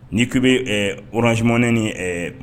N'i ko bɛ wransimɛ ni